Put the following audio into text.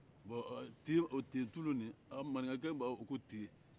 bɔn eee nten o ntentulu ni an maninkakɛ b'a fɔ ko nten